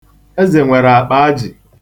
Eze nwere akpa aj̣ị.